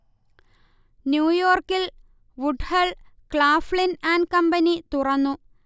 ന്യൂയോർക്കിൽ Woodhull, Claflin and company തുറന്നു